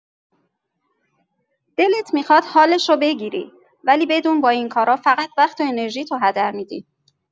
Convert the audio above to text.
دلت می‌خواد حالش رو بگیری، ولی بدون با این کارا فقط وقت و انرژیت رو هدر می‌دی.